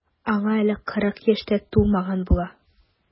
Аңа әле кырык яшь тә тулмаган була.